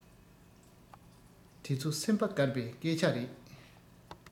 དེ ཚོ སེམས པ དཀར བའི སྐད ཆ རེད